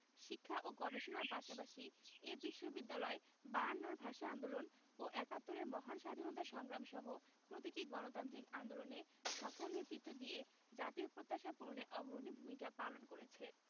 শিক্ষা ও গবেষণার পাশাপাশি এ বিশ্ববিদ্যালয় বায়ান্নর ভাষা আন্দোলন ও একাত্তরের মহান স্বাধীনতা সংগ্রাম সহ প্রতিটি গণতান্ত্রিক আন্দোলনে সফল নেতৃত্ব দিয়ে জাতীয় প্রত্যাশা পূরণে অগ্রণী ভূমিকা পালন করেছে